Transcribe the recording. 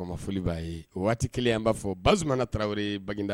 B'a fɔ tarawele